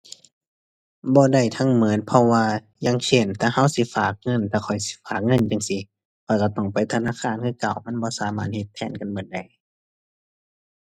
บ่ได้ทั้งหมด เพราะว่า อย่างเช่น ถ้าหมดสิฝากเงิน แล้วข้อยสิฝากเงินจั่งซี้ ข้อยหมดต้องไปธนาคารคือเก่า มันบ่สามารถเฮ็ดแทนกันเบิดได้